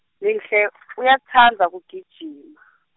Lenhle, uyatsandza kugijima.